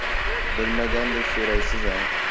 bilmagandek so'raysiz a